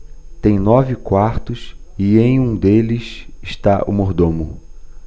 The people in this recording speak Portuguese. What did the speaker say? tem nove quartos e em um deles está o mordomo